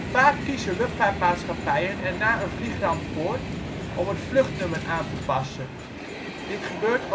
Vaak kiezen luchtvaartmaatschappijen er na een vliegramp voor om het vluchtnummer aan te passen. Dit gebeurt